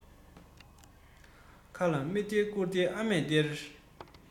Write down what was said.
ཁ ལ མི སྟེར དགུ སྟེར ཨ མས སྟེར